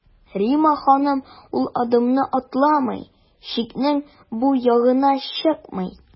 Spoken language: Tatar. Римма ханым ул адымны атламый, чикнең бу ягына чыкмый.